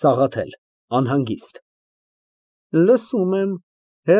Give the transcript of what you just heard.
ՍԱՂԱԹԵԼ ֊ (Անհանգիստ)։ Լսում եմ։